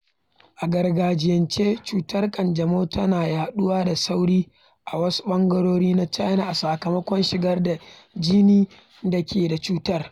A gargajiyance, cutar ƙanjamau tana yaɗuwa da sauri a wasu ɓangarori na China a sakamakon shigar da jini da ke da cutar.